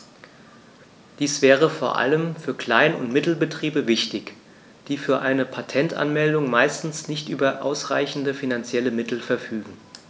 Dies wäre vor allem für Klein- und Mittelbetriebe wichtig, die für eine Patentanmeldung meistens nicht über ausreichende finanzielle Mittel verfügen.